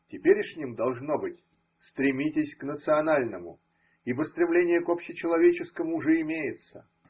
Теперешним должно быть: стремитесь к национальному!, ибо стремление к общечеловеческому уже имеется.